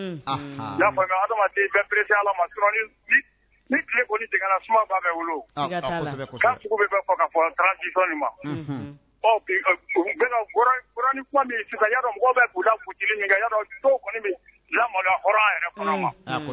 Den fanga